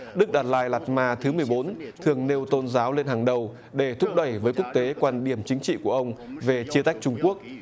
đức đạt lai lạt ma thứ mười bốn thường nêu tôn giáo lên hàng đầu để thúc đẩy với quốc tế quan điểm chính trị của ông về chia tách trung quốc